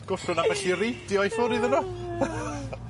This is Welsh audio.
Gollwng ambell i radio i ffwr iddon nw.